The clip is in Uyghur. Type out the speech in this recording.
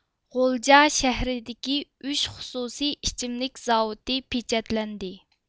غۇلجا شەھىرىدىكى ئۈچ خۇسۇسىي ئىچىملىك زاۋۇتى پېچەتلەندى